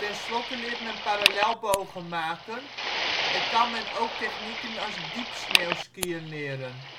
slotte leert men parallel-bogen maken en kan men ook technieken als diep-sneeuwskiën leren